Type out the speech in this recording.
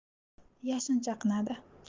yashin chaqnadi